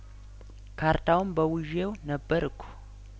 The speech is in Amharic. ካርታውን በው ዤው ነበር እኮ